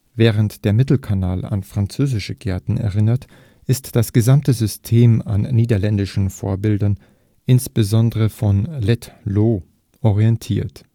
Während der Mittelkanal an französische Gärten erinnert, ist das gesamte System an niederländischen Vorbildern, insbesondere von Het Loo, orientiert